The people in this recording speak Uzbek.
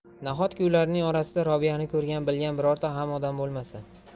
nahotki ularning orasida robiyani ko'rgan bilgan birorta odam bo'lmasa